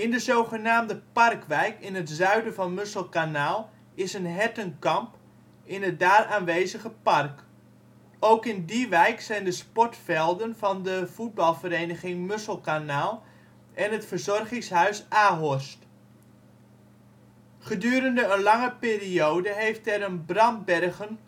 de zogenaamde Parkwijk in het zuiden van Musselkanaal is een hertenkamp in het daar aanwezige park. Ook in die wijk zijn de sportvelden van de voetbalvereniging Musselkanaal en het verzorgingshuis A-Horst. Musselkanaal op de topografische kaart van 1933 Gedurende een lange periode heeft er een Branbergen